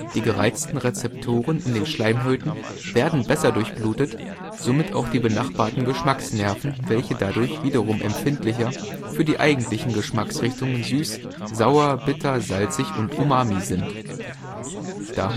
Die gereizten Rezeptoren in den Schleimhäuten werden besser durchblutet, somit auch die benachbarten Geschmacksnerven, welche dadurch wiederum empfindlicher für die eigentlichen Geschmacksrichtungen süß, sauer, bitter, salzig und umami sind. Da